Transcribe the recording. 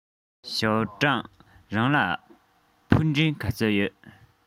ཞའོ ཀྲང རང ལ ཕུ འདྲེན ག ཚོད ཡོད